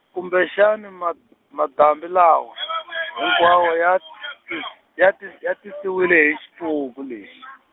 kumbexani mad- , madambi lawa , hinkwawo ya, ti-, ya ti-, ya tisiwile hi xipuku lexi.